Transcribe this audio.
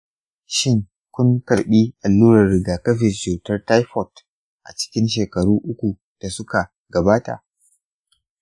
shin kun karɓi allurar rigakafin cutar taifot a cikin shekaru uku da suka gabata?